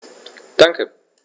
Danke.